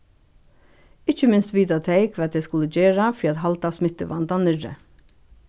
ikki minst vita tey hvat tey skulu gera fyri at halda smittuvandan niðri